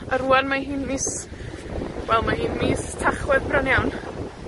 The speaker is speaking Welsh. A rŵan mae hi'n mis, wel mae hi'n mis Tachwedd bron iawn.